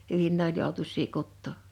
hyvin ne oli joutuisia kutoa